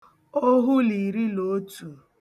ohu là iri là otù